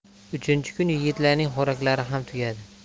uchinchi kuni yigitlarning xo'raklari ham tugadi